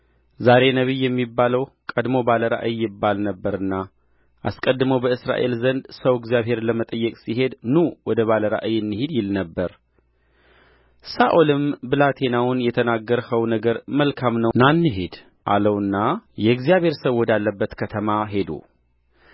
ዛሬ ነቢይ የሚባለው ቀድሞ ባለ ራእይ ይባል ነበርና አስቀድሞ በእስራኤል ዘንድ ሰው እግዚአብሔርን ለመጠየቅ ሲሄድ ኑ ወደ ባለ ራእይ እንሂድ ይል ነበር ሳኦልም ብላቴናውን የተናገረኸው ነገር መልካም ነው ና እንሂድ አለውና የእግዚአብሔር ሰው ወዳለበት ከተማ ሄዱ